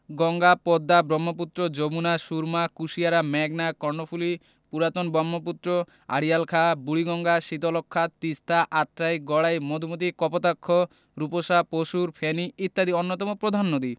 গঙ্গা পদ্মা ব্রহ্মপুত্র যমুনা সুরমা কুশিয়ারা মেঘনা কর্ণফুলি পুরাতন ব্রহ্মপুত্র আড়িয়াল খাঁ বুড়িগঙ্গা শীতলক্ষ্যা তিস্তা আত্রাই গড়াই মধুমতি কপোতাক্ষ রূপসা পসুর ফেনী ইত্যাদি অন্যতম প্রধান নদী